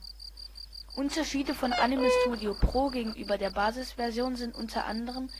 Anime Studio Pro gegenüber der Basis-Version sind unter anderem